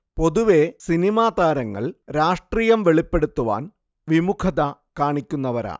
പൊതുവെ സിനിമാതാരങ്ങൾ രാഷ്ട്രീയം വെളിപ്പെടുത്തുവാൻ വിമുഖത കാണിക്കുന്നവരാണ്